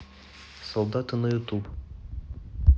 солдаты на ютуб